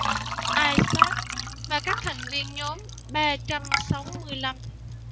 isaac và các thành viên nhóm ba trăm sáu mươi lăm